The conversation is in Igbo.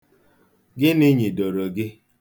Gịnị nyịdoro gị?